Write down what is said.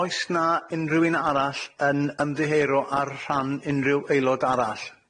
Oes 'na unryw un arall yn ymddiheuro ar rhan unryw aelod arall?